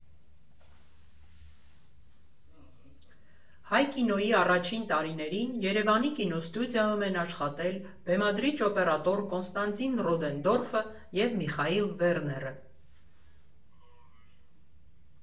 Հայ կինոյի առաջին տարիներին Երևանի կինոստուդիայում են աշխատել բեմադրիչ֊օպերատոր Կոնստանտին Ռոդենդորֆը և Միխայիլ Վեռները։